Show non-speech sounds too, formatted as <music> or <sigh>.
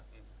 <hesitation> <hesitation>